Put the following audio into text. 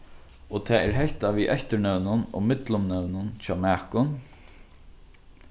og tað er hetta við eftirnøvnum og millumnøvnum hjá makum